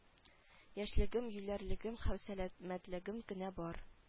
Яшьлегем-юләрлегем һәм сәламәтлегем генә бар